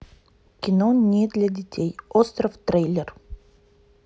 кино не для детей остров трейлер